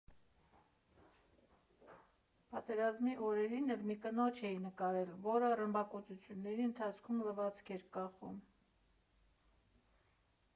Պատերազմի օրերին էլ մի կնոջ էի նկարել, որը ռմբակոծությունների ընթացքում լվացք էր կախում։